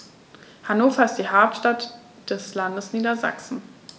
Hannover ist die Hauptstadt des Landes Niedersachsen.